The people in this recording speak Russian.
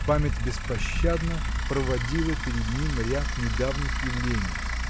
Память беспощадно проводила перед ним ряд недавних явлений.